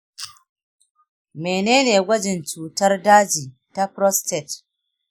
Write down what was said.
menene gwajin cutar daji ta prostate?